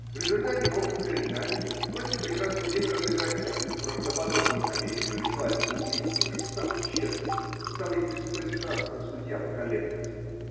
В результате могут пред нами в один прекрасный день разыграть такую правдоподобную комедию ритуального убийства, что самый честный, самый беспристрастный судья поколеблется.